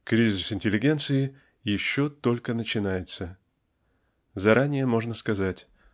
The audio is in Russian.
Кризис интеллигенции еще только начинается. Заранее можно сказать